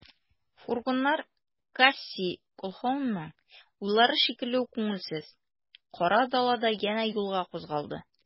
Фургоннар Кассий Колһаунның уйлары шикелле үк күңелсез, кара далада янә юлга кузгалды.